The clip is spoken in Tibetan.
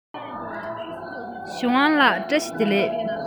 ཞའོ ཝང ལགས བཀྲ ཤིས བདེ ལེགས